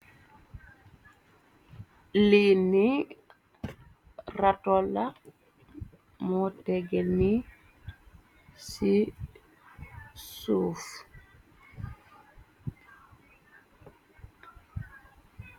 lii ni ratola moo teggeel ni ci suuf